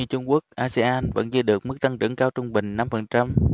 trung quốc asean vẫn giữ được mức tăng trưởng cao trung bình năm phần trăm